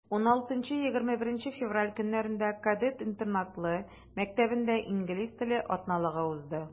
16-21 февраль көннәрендә кадет интернатлы мәктәбендә инглиз теле атналыгы узды.